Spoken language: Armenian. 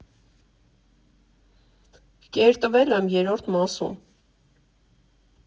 Կերտվել եմ Երրորդ մասում։